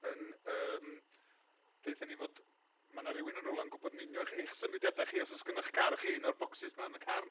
yn yym, deutha ni fod, ma' 'na rywun yn rywle yn gwybod yn union eich eich symudiadau chi, os oes gan eich car chi un o'r bocsys 'ma yn y car.